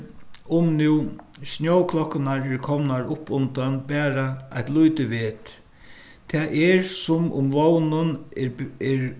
um nú snjóklokkurnar eru komnar upp undan bara eitt lítið vet tað er sum um vónin er er